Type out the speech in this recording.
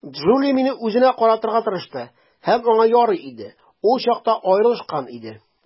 Джули мине үзенә каратырга тырышты, һәм аңа ярый иде - ул чакта аерылышкан иде.